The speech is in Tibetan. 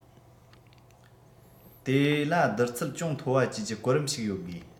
དེ ལ ཡི བསྡུར ཚད ཅུང མཐོ བ བཅས ཀྱི གོ རིམ ཞིག ཡོད དགོས